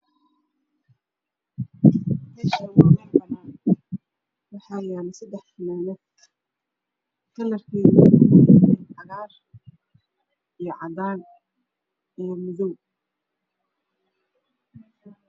Halkan waa mel banan ah wax yalo sadax finaad kalar kodna waa baluug iyo madow iyo baluug